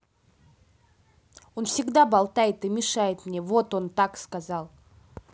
он всегда болтает и мешает мне вот он сказал так